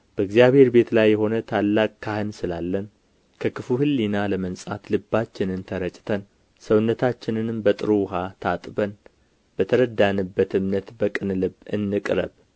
በእግዚአብሔርም ቤት ላይ የሆነ ታላቅ ካህን ስላለን ከክፉ ሕሊና ለመንጻት ልባችንን ተረጭተን ሰውነታችንንም በጥሩ ውኃ ታጥበን በተረዳንበት እምነት በቅን ልብ እንቅረብ